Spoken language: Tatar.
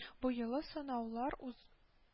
Бу юлы сынаулар уз